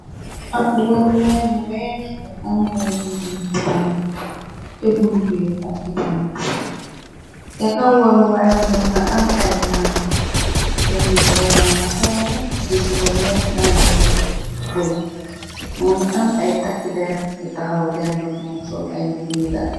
Ahb waruwaay bu weex bu am ay bindu nasaran cha buntu ya, ak chi kanam, cha kaw waruwaay wa munga am ay laampu, benu bohrre banga honnk, digi ba weex, benen bohrre ba bleu, munga am ay takki dehrre yi taxaw dehndok mom, sol ay mbubu yu wehrrt.